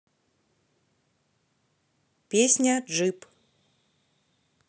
песня джип